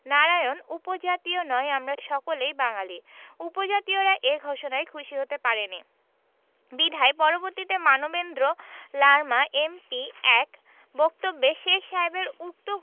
নারায়ণ উপজাতীয় নয় আমরা সকলেই বাঙালি উপজাতয়িরা এ ঘোষণায় খুশী হতে পারেনি বিধায় পরবর্তীতে মানবেন্দ্র লারমা এম.পি. এক বক্তব্যে শেখ সাহেবের উক্ত